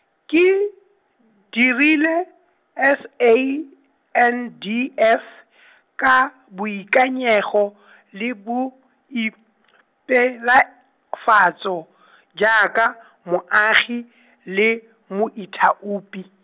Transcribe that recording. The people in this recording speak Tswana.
ke, direla, S A, N D F , ka boikanyego , le boipelafatso , jaaka , moagi , le moithaopi.